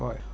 ouais